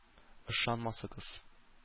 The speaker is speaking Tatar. Ышанмасагыз